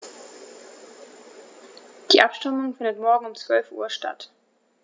Die Abstimmung findet morgen um 12.00 Uhr statt.